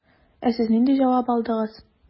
Ә сез нинди җавап алдыгыз?